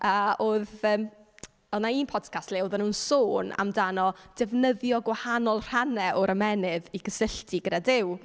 A oedd, yym, oedd 'na un podcast le oedden nhw'n sôn amdano defnyddio gwahanol rhannau o'r ymennydd i gysylltu gyda Duw.